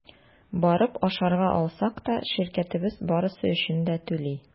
Барып ашарга алсак та – ширкәтебез барысы өчен дә түли.